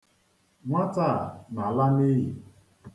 Nwata a na-ala n'iyi.